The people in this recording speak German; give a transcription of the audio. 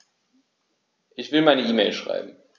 Ich will eine E-Mail schreiben.